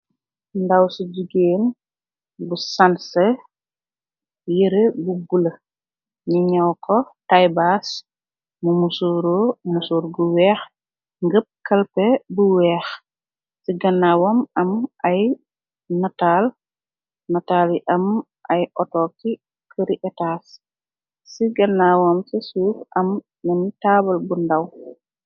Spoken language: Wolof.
ndaw ci jugeen gu sanse yëre bu gula ñi ñaw ko taybaas mu musuuro musur gu weex ngëp kalpe bu weex ci gannawam am a nataal yi am ay ato ki këri etaas ci gannawam ci suuf am nani taabal bu ndàw